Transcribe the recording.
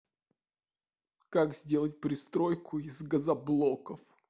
как сделать пристройку из газоблоков